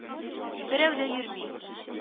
Берәү дә йөрми